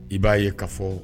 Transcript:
I b'a ye ka fɔ